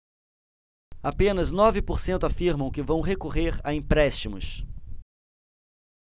apenas nove por cento afirmam que vão recorrer a empréstimos